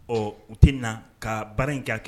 Ɔ u tɛ na ka baara kɛ' kɛ